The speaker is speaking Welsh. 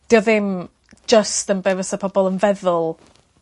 'Di o ddim jyst yn be' fasa pobol yn feddwl.